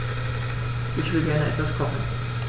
Ich will gerne etwas kochen.